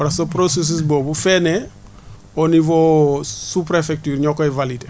parce que processus boobu fee nee au niveau sous préfecture ñoo koy valider